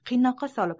qiynoqqa solib